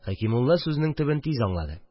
Xәкимулла сүзнең төбен тиз аңлады